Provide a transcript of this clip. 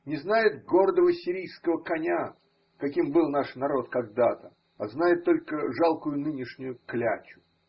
не знает гордого сирийского коня, каким был наш народ когда-то, а знает только жалкую нынешнюю клячу.